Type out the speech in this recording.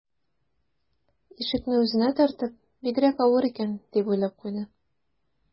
Ишекне үзенә тартып: «Бигрәк авыр икән...», - дип уйлап куйды